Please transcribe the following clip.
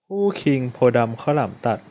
คู่คิงโพธิ์ดำข้าวหลามตัด